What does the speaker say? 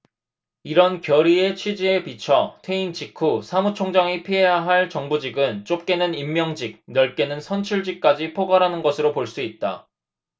이런 결의의 취지에 비춰 퇴임 직후 사무총장이 피해야 할 정부직은 좁게는 임명직 넓게는 선출직까지 포괄하는 것으로 볼 수 있다